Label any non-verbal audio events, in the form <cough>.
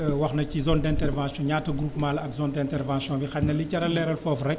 <hesitation> wax na ci zone d' intervention ñaata groupement la ak zone d' intervention bi xëy na li jar a leeral foofu rek